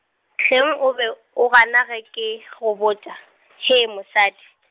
hleng o be, o gana ge ke go botša, hee mosadi.